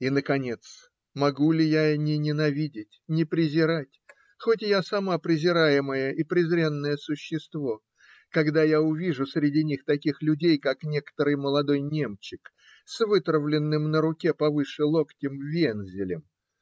И, наконец, могу ли я не ненавидеть, не презирать, хотя я сама презираемое и презренное существо, когда я вижу среди них таких людей, как некоторый молодой немчик с вытравленным на руке, повыше локтя, вензелем?